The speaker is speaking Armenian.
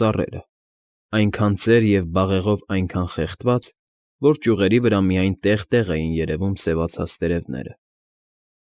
Ծառերը՝ այնքան ծեր և բաղեղով այնքան խեղդված, որ ճյուղերի վրա միայն տեղ֊տեղ էին երևում սևացած տերևները։